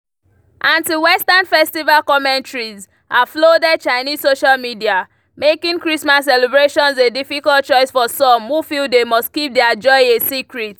Anti-Western festival commentaries have flooded Chinese social media, making Christmas celebrations a difficult choice for some who feel they must keep their joy a secret.